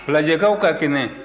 falajɛkaw ka kɛnɛ